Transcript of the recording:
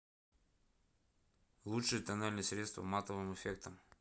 лучшие тональные средства с матовым эффектом